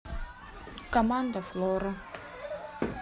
команда флоры